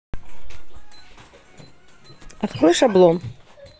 открой шаблон